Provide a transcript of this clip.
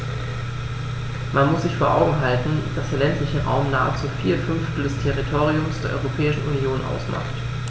Man muss sich vor Augen halten, dass der ländliche Raum nahezu vier Fünftel des Territoriums der Europäischen Union ausmacht.